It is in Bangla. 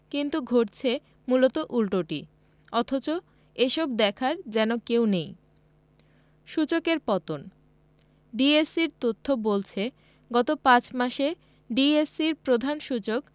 কিন্তু ঘটছে মূলত উল্টোটি অথচ এসব দেখার যেন কেউ নেই সূচকের পতন ডিএসইর তথ্য বলছে গত ৫ মাসে ডিএসইর প্রধান সূচক